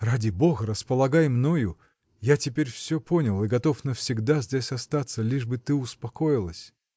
— Ради Бога, располагай мною — я теперь всё понял и готов навсегда здесь остаться, лишь бы ты успокоилась.